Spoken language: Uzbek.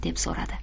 deb so'radi